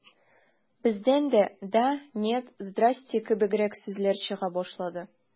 Бездән дә «да», «нет», «здрасте» кебегрәк сүзләр чыга башлады.